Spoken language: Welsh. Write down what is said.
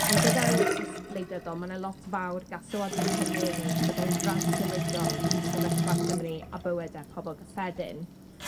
ond gyda ewyllys wleidyddol, ma' 'na lot fawr gall Llywodraeth Cymru ei wneud fyddai'n drawsnewidiol i sefyllfa Cymru a bywyde pobol cyffredin